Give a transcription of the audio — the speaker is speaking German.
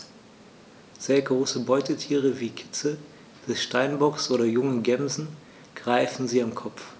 Sehr große Beutetiere wie Kitze des Steinbocks oder junge Gämsen greifen sie am Kopf.